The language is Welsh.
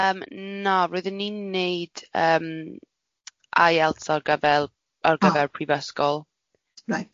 Yym na, roedden ni'n neud yym I ELTS ar gyfel o, ar gyfer prifysgol. Oh reit.